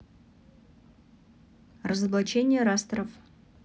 разоблачение растеров